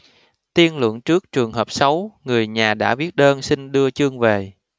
tiên lượng trước trường hợp xấu người nhà đã viết đơn xin đưa chương về